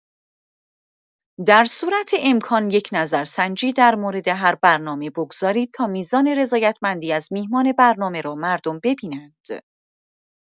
در صورت امکان یک نظرسنجی در مورد هر برنامه بگذارید تا میزان رضایت‌مندی از میهمان برنامه را مردم ببینند.